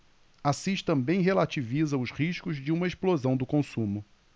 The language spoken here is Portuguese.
assis também relativiza os riscos de uma explosão do consumo